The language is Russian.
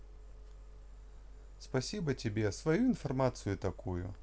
спасибо тебе свою информацию такую